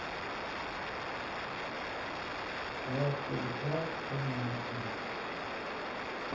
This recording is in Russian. а тогда понятно